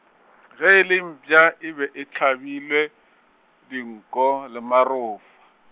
ge e le mpša e be e hlabilwe, dinko le marofa.